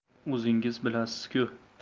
o'zingiz bilasizki